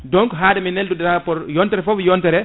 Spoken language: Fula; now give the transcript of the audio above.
donc haade min neldude rapport yontere foof yontere